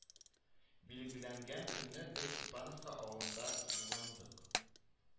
Билгеләнгән көнне без Степановка авылына юлландык